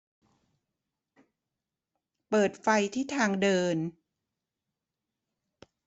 เปิดไฟที่ทางเดิน